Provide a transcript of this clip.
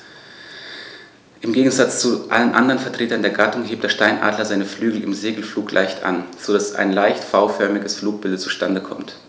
Im Gegensatz zu allen anderen Vertretern der Gattung hebt der Steinadler seine Flügel im Segelflug leicht an, so dass ein leicht V-förmiges Flugbild zustande kommt.